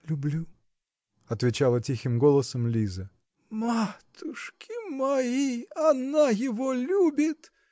-- Люблю, -- отвечала тихим голосом Лиза. -- Матушки мои! она его любит!